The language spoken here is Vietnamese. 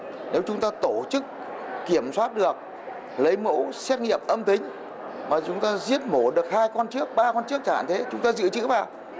nếu chúng ta tổ chức kiểm soát được lấy mẫu xét nghiệm âm tính mà chúng ta giết mổ được hai con trước ba con trước chả hạn thế chúng ta dự trữ vào